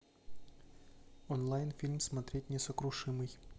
онлайн фильм смотреть несокрушимый